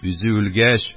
Үзе үлгәч,